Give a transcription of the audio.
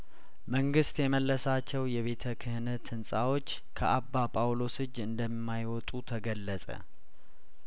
መንግስት የመለሳቸው የቤተ ክህነት ህንጻዎች ከአባ ጳውሎስ እጅ እንደማይወጡ ተገለጸ